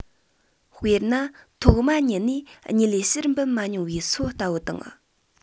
དཔེར ན ཐོག མ ཉིད ནས སྙིལ ལས ཕྱིར འབུད མ མྱོང བའི སོ ལྟ བུ དང